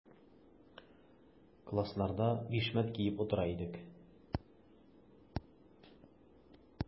Классларда бишмәт киеп утыра идек.